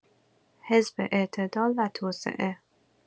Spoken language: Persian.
حزب اعتدال و توسعه